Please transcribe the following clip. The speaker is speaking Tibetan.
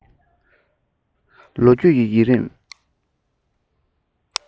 ལོ རྒྱུས ཀྱི རྒྱུད རིམ